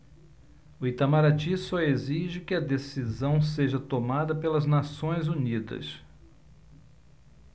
o itamaraty só exige que a decisão seja tomada pelas nações unidas